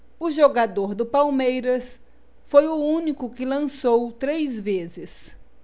o jogador do palmeiras foi o único que lançou três vezes